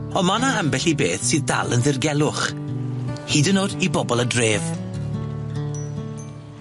on' ma' 'na ambell i beth sydd dal yn ddirgelwch hyd yn o'd i bobol y dref.